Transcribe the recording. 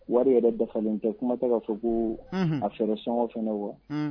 Wari yɛrɛ dafalen tɛ kuma tɛ ka fɔ koo unhun a frais sɔngɔ fɛnɛ wa unn